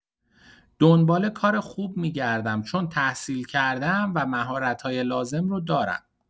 دنبال کار خوب می‌گردم چون تحصیل‌کرده‌ام و مهارت‌های لازم رو دارم.